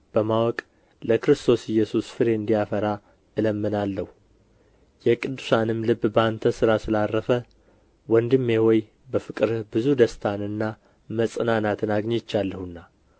በማወቅ ለክርስቶስ ኢየሱስ ፍሬ እንዲያፈራ እለምናለሁ የቅዱሳን ልብ በአንተ ስራ ስለ ዐረፈ ወንድሜ ሆይ በፍቅርህ ብዙ ደስታንና መጽናናትን አግኝቼአለሁና